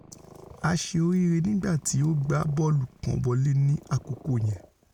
À ṣe oríire nígbà tí ó gbá bọ́ọ̀lù kan wọlé ní àkókò yẹn.''